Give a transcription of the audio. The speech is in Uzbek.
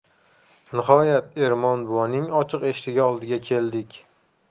nihoyat ermon buvaning ochiq eshigi oldiga keldik